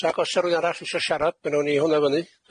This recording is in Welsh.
Sac osa rywun arall isio siarad bynwn ni hwnna fyny.